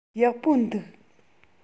ཡག པོ འདུག